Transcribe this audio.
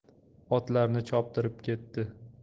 otlarni choptirib ketdi